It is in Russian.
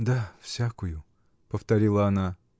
— Да, всякую, — повторила она.